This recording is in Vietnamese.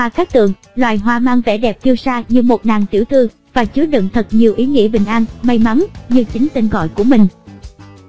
cây hoa cát tường loài hoa mang vẻ đẹp kiêu sa như một nàng tiểu thư và chứa đựng thật nhiều ý nghĩa bình an may mắn như chính tên gọi của mình